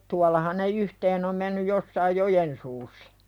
tuollahan ne yhteen on mennyt jossakin joen suussa